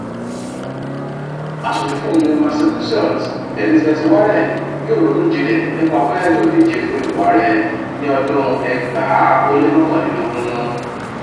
Aṣòfin fún ìlú Massachusetts Elizabeth Warren yóò ronú jinlẹ̀ nípa bóyá yóò díje fún ipò ààrẹ ní ọdún 2021